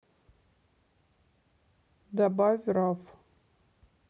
добавь раф